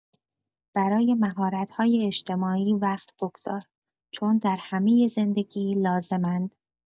برای مهارت‌های اجتماعی وقت بگذار چون در همه زندگی لازم‌اند.